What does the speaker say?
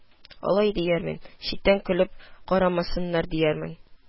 Алай, диярмен, читтән көлеп карамасыннар, диярмен